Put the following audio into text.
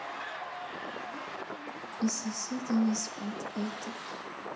и соседи не спят это